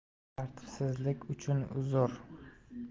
tartibsizlik uchun uzur